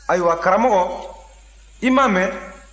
ayiwa karamɔgɔ i m'a mɛn